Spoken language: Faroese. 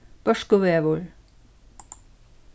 børkuvegur